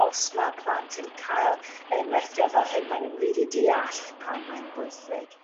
os ma' plant yn cael enghraifftau fel hyn maen n'w'n rili deallt pam mae'n bwysig.